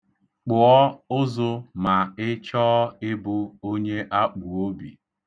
Kpụọ ụzụ ma ị chọọ ịbụ onye akpụobi.